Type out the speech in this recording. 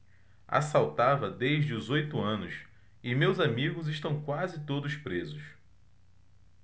assaltava desde os oito anos e meus amigos estão quase todos presos